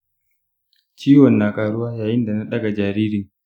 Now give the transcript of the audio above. ciwon na ƙaruwa yayin da na ɗaga jaririn.